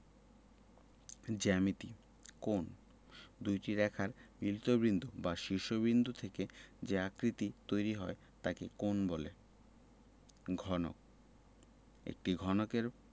জ্যামিতিঃ কোণঃ দুইটি রেখার মিলিত বিন্দু বা শীর্ষ বিন্দু থেকে যে আকৃতি তৈরি হয় তাকে কোণ বলে ঘনকঃ একটি ঘনকের